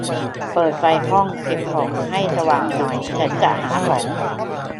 เปิดไฟห้องเก็บของให้สว่างหน่อยฉันจะหาของ